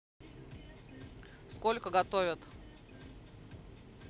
сколько готовят